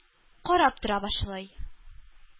Карап тора башлый...